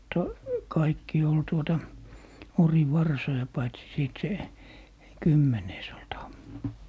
- kaikki oli tuota orivarsoja paitsi sitten se kymmenes oli tamma